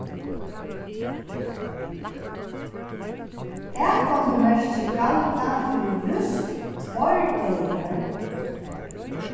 atgongumerki galda fyri júst tveir dagar